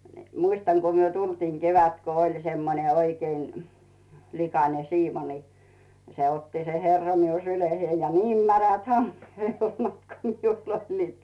niin muistan kun me tulimme kevät kun oli semmoinen oikein likainen siimo niin se otti se herra minun syliinsä ja niin märät hameen helmat kun minulla oli